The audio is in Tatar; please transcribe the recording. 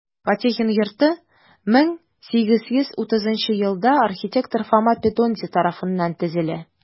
Потехин йорты 1830 елда архитектор Фома Петонди тарафыннан төзелә.